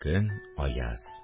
Көн аяз